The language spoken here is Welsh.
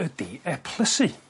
ydi eplysu?